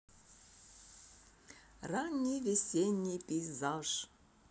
ранний весенний пейзаж